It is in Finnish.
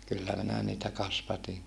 kyllä minä niitä kasvatin